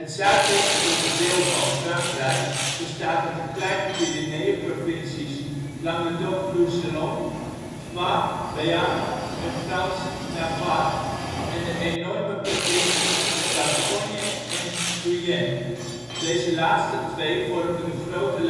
zuidwestelijke deel van Frankrijk bestaat uit de kleine Pyreneeën-provincies Roussillon, Foix, Béarn en Frans Navarre en de enorme provincies Gascogne en Guienne. Deze laatste twee vormen de grote